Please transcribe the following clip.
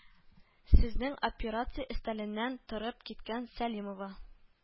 Сезнең операция өстәленнән торып киткән Сәлимова